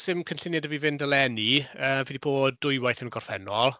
'Sdim cynlluniau 'da fi fynd eleni. Yy fi 'di bod dwy waith yn y gorffennol.